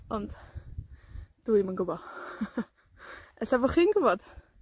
Ond, dwi dim yn gwybo. Ella fo' chi'n gwbod.